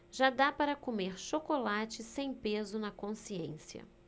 já dá para comer chocolate sem peso na consciência